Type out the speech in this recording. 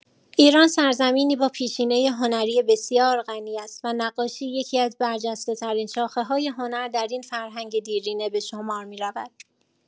ایران سرزمینی با پیشینه هنری بسیار غنی است و نقاشی یکی‌از برجسته‌ترین شاخه‌های هنر در این فرهنگ دیرینه به شمار می‌رود.